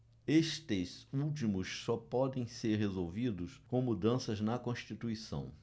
estes últimos só podem ser resolvidos com mudanças na constituição